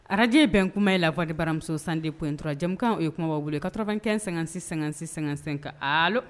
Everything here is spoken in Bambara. Araj bɛn kuma ye lawa baramuso san dep in dɔrɔn jamukan o ye kumabaw wele karɔkɛ sɛgɛn---sɛka ali